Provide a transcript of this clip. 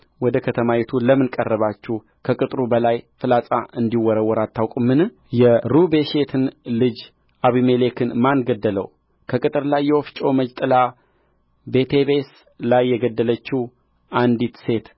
ወደ ከተማይቱ ለምን ቀረባችሁ ከቅጥሩ በላይ ፍላጻ እንዲወረወር አታውቁምን የሩቤሼትን ልጅ አቤሜሌክን ማን ገደለው ከቅጥር ላይ የወፍጮ መጅ ጥላ በቴቤስ ላይ የገደለችው አንዲት ሴት